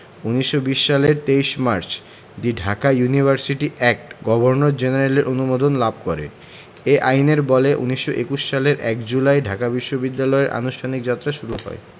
১৯২০ সালের ২৩ March the Dhaka University Act governor জেনারেলের অনুমোদন লাভ করে এ আইনের বলে ১৯২১ সালের ১ জুলাই ঢাকা বিশ্ববিদ্যালয়ের আনুষ্ঠানিক যাত্রা শুরু হয়